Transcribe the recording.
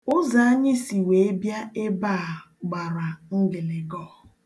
Ụzọ anyị si wee bịa ebe a gbara ngịlịgọ.